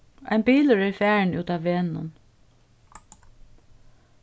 ein bilur er farin útav vegnum